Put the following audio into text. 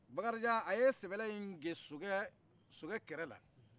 bakarijan aye yin ge sokɛ kɛrɛ la